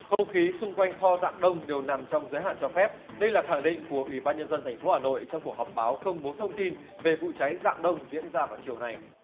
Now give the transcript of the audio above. không khí xung quanh kho rạng đông đều nằm trong giới hạn cho phép đây là khẳng định của ủy ban nhân dân thành phố hà nội trong cuộc họp báo công bố thông tin về vụ cháy rạng đông diễn ra vào chiều nay